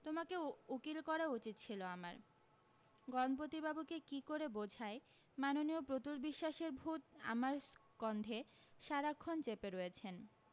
তোমাকে উকিল করা উচিত ছিল আমার গণপতিবাবুকে কী করে বোঝাই মাননীয় প্রতুল বিশ্বাসের ভূত আমার স্কন্ধে সারাক্ষণ চেপে রয়েছেন